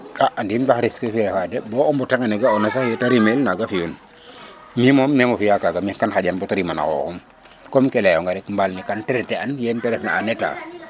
a andim nda risque refa de bo mbote ngene ga ona sax yete rimel naga fi un mi moom nemo fiya kaga mi kan xaƴan bata rima na xuxum kon ke leyonga rek mbaal ne ken traiter na yente ref na en etat